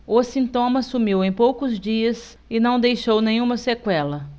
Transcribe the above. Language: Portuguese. o sintoma sumiu em poucos dias e não deixou nenhuma sequela